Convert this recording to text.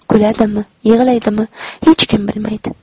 kuladimi yig'laydimi hech kim bilmaydi